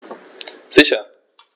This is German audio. Sicher.